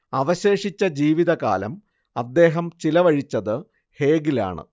അവശേഷിച്ച ജീവിതകാലം അദ്ദേഹം ചെലവഴിച്ചത് ഹേഗിലാണ്